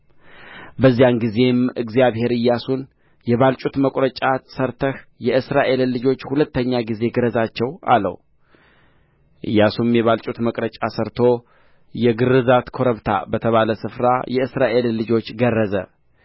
በዚያን ጊዜም እግዚአብሔር ኢያሱን የባልጩት መቍረጫ ሠርተህ የእስራኤልን ልጆች ሁለተኛ ጊዜ ግረዛቸው አለው ኢያሱም የባልጩት መቍረጫ ሠርቶ የግርዛት ኮረብታ በተባለ ስፍራ የእስራኤልን ልጆች ገረዘ